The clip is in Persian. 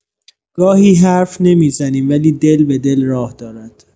گاهی حرفی نمی‌زنیم ولی دل به دل راه دارد.